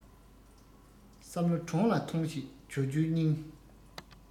བསམ བློ འདྲོངས ལ ཐོངས ཤིག ཇོ ཇོའི སྙིང